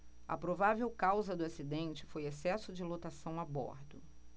a provável causa do acidente foi excesso de lotação a bordo